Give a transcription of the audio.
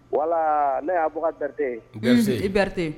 Walasa ne ye Abubakari Berete ye, i Berete.